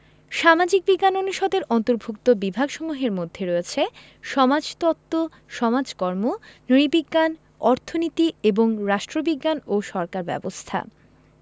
সামাজিক বিজ্ঞান অনুষদের অন্তর্ভুক্ত বিভাগসমূহের মধ্যে আছে সমাজতত্ত্ব সমাজকর্ম নৃবিজ্ঞান অর্থনীতি এবং রাষ্ট্রবিজ্ঞান ও সরকার ব্যবস্থা